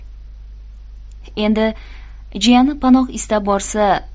endi jiyani panoh istab borsa